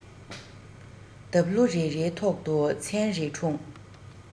འདབ ལོ རེ རེའི ཐོག ཏུ མཚན རེ འཁྲུངས